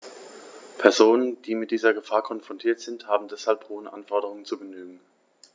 Personen, die mit dieser Gefahr konfrontiert sind, haben deshalb hohen Anforderungen zu genügen.